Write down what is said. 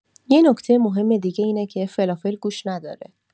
یه نکته مهم دیگه اینه که فلافل گوشت نداره.